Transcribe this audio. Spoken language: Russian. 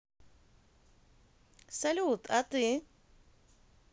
салют а ты